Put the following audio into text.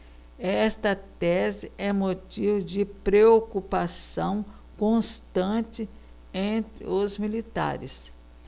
esta tese é motivo de preocupação constante entre os militares